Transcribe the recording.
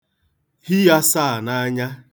hi āsāà n'anya